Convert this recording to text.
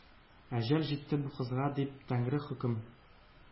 «әҗәл җитте бу кызга!»— дип, тәңре хөкем